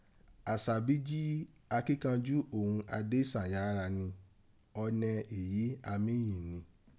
Àṣàbí jí akinkanju òghun Adesanya gha rin; ọnẹ èyí a mí yìn rin.